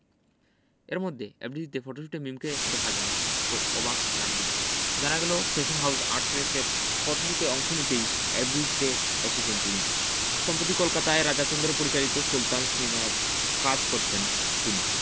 এরমধ্যে এফডিসিতে ফটোশুটে মিমকে দেখা গেল তো অবাক লাগবেই জানা গেল ফ্যাশন হাউজ আর্টরেসের ফটশুটে অংশ নিতেই এফডিসিতে এসেছেন তিনি সম্প্রতি কলকাতায় রাজা চন্দের পরিচালনায় সুলতান সিনেমার কাজ করেছেন তিনি